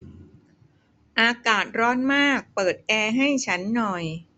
อากาศร้อนมากเปิดแอร์ให้ฉันหน่อย